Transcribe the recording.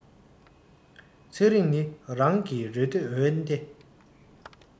ཚེ རིང ནི རང གི རེ འདོད འོན ཏེ